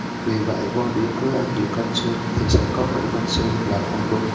vì vậy quan điểm cứ ăn nhiều canh xương thì sẽ có đủ canxi là không đúng